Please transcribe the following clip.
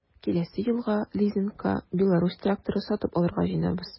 Киләсе елга лизингка “Беларусь” тракторы сатып алырга җыенабыз.